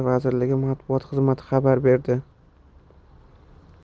vazirligi matbuot xizmati xabar berdi